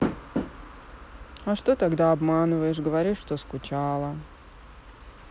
а что тогда обманываешь говоришь что скучала